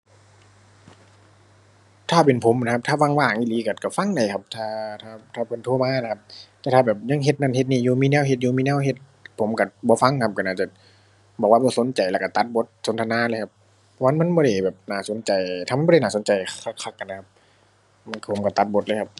ถ้าเป็นผมนะครับ ถ้าว่างว่างอีหลีก็ ก็ฟังได้ครับ ถ้า ถ้า ถ้าเพิ่นโทรมานะครับ แต่ถ้าแบบยังเฮ็ดนั่นเฮ็ดนี่อยู่ มีแนวเฮ็ดอยู่ มีแนวเฮ็ด ผมก็บ่ฟังครับ ก็น่าจะบอกว่าบ่สนใจแล้วก็ตัดบทสนทนาเลยครับ เพราะว่ามันบ่ได้แบบน่าสนใจ ถ้ามันบ่ได้น่าสนใจคักคักอะนะครับ ผมก็ตัดบทเลยครับ